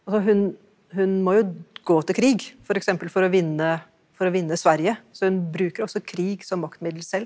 altså hun hun må jo gå til krig f.eks. for å vinne for å vinne Sverige så hun bruker ofte krig som maktmiddel selv.